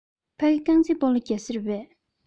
ཕ གི རྐང རྩེད སྤོ ལོ རྒྱག ས རེད པས